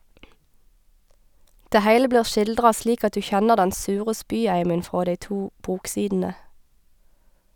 Det heile blir skildra slik at du kjenner den sure spyeimen frå dei to boksidene!